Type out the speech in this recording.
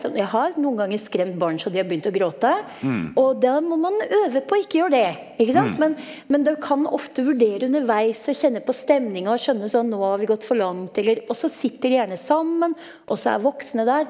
sånn jeg har noen ganger skremt barn så de har begynt å gråte, og da må man øve på å ikke gjøre det ikke sant, men men du kan ofte vurdere underveis og kjenne på stemninga og skjønne sånn nå har vi godt for langt, eller så sitter de gjerne sammen også er voksne der.